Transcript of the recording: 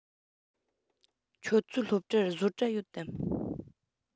ཁྱོད ཚོའི སློབ གྲྭར བཟོ གྲྭ ཡོད དམ